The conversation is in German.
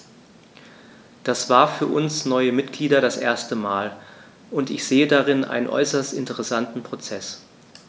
Das war für uns neue Mitglieder das erste Mal, und ich sehe darin einen äußerst interessanten Prozess.